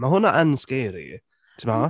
Mae hwnna yn scary, timod?